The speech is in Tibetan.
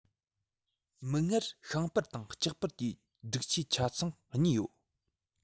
མིག སྔར ཤིང པར དང ལྕགས པར གྱི སྒྲིག ཆས ཆ ཚང གཉིས ཡོད